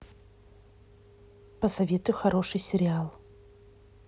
посоветуй хороший сериал